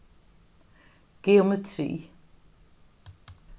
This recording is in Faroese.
geometri